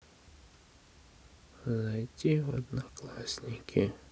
зайти в одноклассники